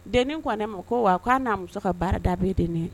Denin kɔnɛ ma ko wa k'a n'a muso ka baara da bɛ den dɛ